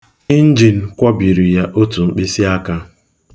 Injin kwọbiri ya otu mkpịsịaka.